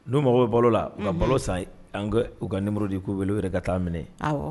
N'u mago bɛ balo la u balo san u kaburu de k'u weele wele ka taa minɛ